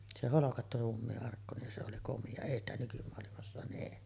se holkattu ruumisarkku se oli komea ei sitä nykymaailmassa näe